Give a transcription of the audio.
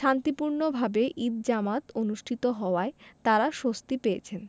শান্তিপূর্ণভাবে ঈদ জামাত অনুষ্ঠিত হওয়ায় তাঁরা স্বস্তি পেয়েছেন